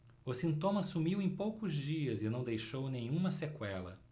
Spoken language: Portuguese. o sintoma sumiu em poucos dias e não deixou nenhuma sequela